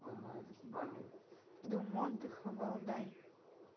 дом отдыха валдай